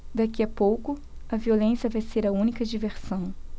daqui a pouco a violência vai ser a única diversão